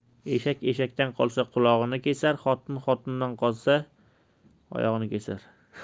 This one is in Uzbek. eshak eshakdan qolsa qulog'ini kesar xotin xotindan qolsa oyog'ini kesar